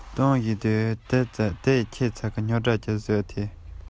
ངས འདི ལྟར བསམ